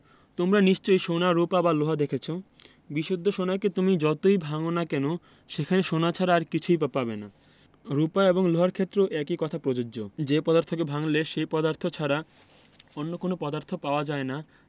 তোমরা নিশ্চয় সোনা রুপা বা লোহা দেখেছ বিশুদ্ধ সোনাকে তুমি যতই ভাঙ না কেন সেখানে সোনা ছাড়া আর কিছু পাবে না রুপা এবং লোহার ক্ষেত্রেও একই কথা প্রযোজ্য যে পদার্থকে ভাঙলে সেই পদার্থ ছাড়া অন্য কোনো পদার্থ পাওয়া যায় না